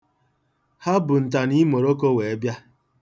Ha bu ntaniimoloko were bịa.